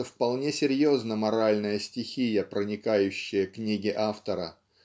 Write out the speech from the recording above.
что вполне серьезна моральная стихия проникающая книги автора